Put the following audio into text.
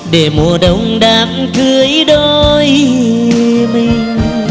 để mùa đông đám cưới đôi mình